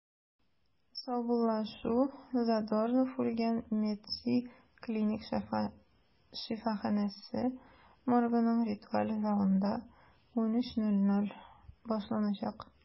Саубуллашу Задорнов үлгән “МЕДСИ” клиник шифаханәсе моргының ритуаль залында 13:00 (мск) башланачак.